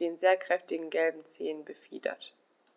den sehr kräftigen gelben Zehen befiedert.